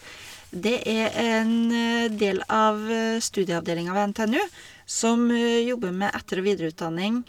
Det er en del av studieavdelinga ved NTNU som jobber med etter- og videreutdanning.